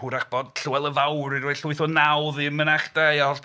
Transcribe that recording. Hwyrach bod Llywelyn Fawr wedi rhoi llwyth o nawdd i'r mynachdai